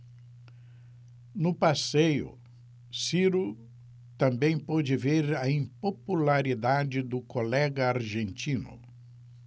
no passeio ciro também pôde ver a impopularidade do colega argentino